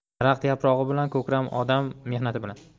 daraxt yaprog'i bilan ko'rkam odam mehnati bilan